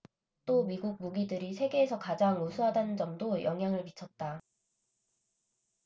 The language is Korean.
또 미국 무기들이 세계에서 가장 우수하다는 점도 영향을 미쳤다